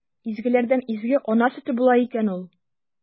Изгеләрдән изге – ана сөте була икән ул!